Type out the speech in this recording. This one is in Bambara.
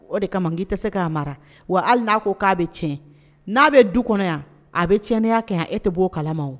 O de kama ŋ'i tɛ se k'a mara wa ali n'a ko k'a bɛ tiɲɛ n'a bɛ du kɔnɔ yan a be cɛneya kɛ yan e tɛ b'o kalama o